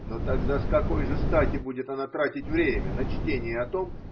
Но тогда с какой же стати будет она тратить время на чтение о том.